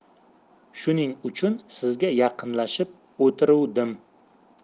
shuning uchun sizga yaqinlashib o'tiruvdim